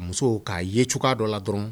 A muso k'a ye cogoya dɔ la dɔrɔn